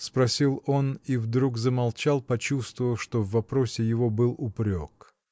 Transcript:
— спросил он и вдруг замолчал, почувствовав, что в вопросе его был упрек.